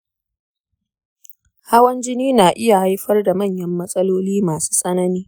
hawan jini na iya haifar da manyan matsaloli masu tsanani.